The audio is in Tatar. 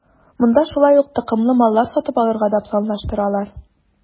Монда шулай ук токымлы маллар сатып алырга да планлаштыралар.